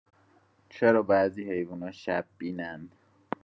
چرا بعضی حیونا شب‌بینن؟